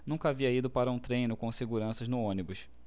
nunca havia ido para um treino com seguranças no ônibus